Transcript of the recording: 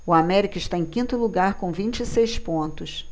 o américa está em quinto lugar com vinte e seis pontos